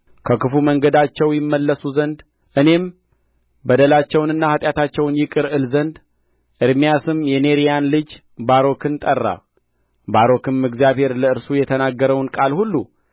ከክፋ መንገዳቸው ይመለሱ ዘንድ እኔም በደላቸውንና ኃጢአታቸውን ይቅር እል ዘንድ ኤርምያስም የኔርያን ልጀ ባሮክን ጠራ ባሮክም እግዚአብሔር ለእርሱ የተናገረውን ቃል ሁሉ